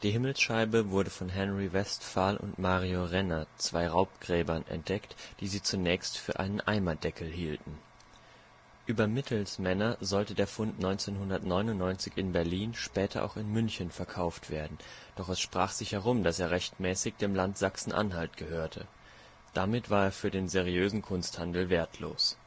Himmelsscheibe wurde von Henry Westphal und Mario Renner, zwei Raubgräbern, entdeckt, die sie zunächst für einen Eimerdeckel hielten. Über Mittelsmänner sollte der Fund 1999 in Berlin, später auch in München verkauft werden, doch es sprach sich herum, dass er rechtmäßig dem Land Sachsen-Anhalt gehörte. Damit war er für den seriösen Kunsthandel wertlos